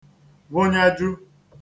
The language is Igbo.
wụnyeju